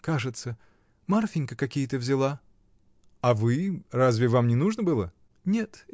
кажется, Марфинька какие-то взяла. — А вы?. разве вам не нужно было? — Нет.